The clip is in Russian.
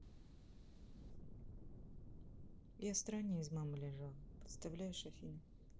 я страня из мамы лежала представляешь афина